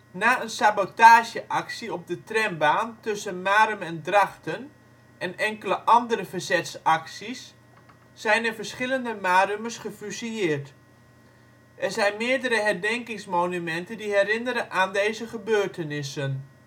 Na een sabotageactie op de trambaan tussen Marum en Drachten en enkele andere verzetsacties zijn er verschillende Marummers gefusilleerd. Er zijn meerdere herdenkingsmonumenten die herinneren aan deze gebeurtenissen